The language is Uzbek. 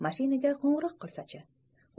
mashinaga qo'ng'iroq qilay chi